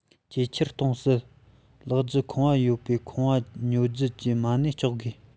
ཇེ ཆེར གཏོང སྲིད ལག བརྒྱུད ཁང པ ཡོད པའི ཁང བ ཉོ རྒྱུ གྱི མ གནས གཅོག དགོས